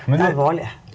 det er alvorlig.